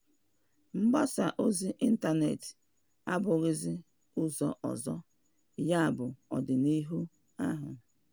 Mgbasa ozi ịntanetị abụghịzi ụzọ ọzọ: ya bụ ọdịnihu ahụ.